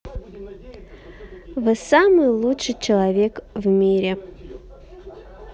вы самый лучший человек в мире